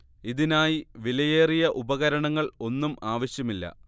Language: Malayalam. ഇതിനായി വിലയേറിയ ഉപകരണങ്ങൾ ഒന്നും ആവശ്യമില്ല